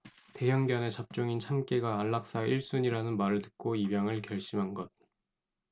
대형견에 잡종인 참깨가 안락사 일 순위라는 말을 듣고 입양을 결심한 것